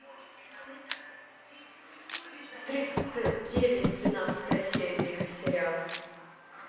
триста девять двенадцатая серия сериал